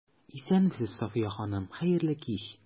Исәнмесез, Сафия ханым, хәерле кич!